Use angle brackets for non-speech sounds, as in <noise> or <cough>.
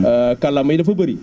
<hesitation> kàllaama yi dafa bëri